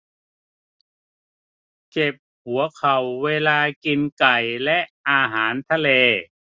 เจ็บหัวเข่าเวลากินไก่และอาหารทะเล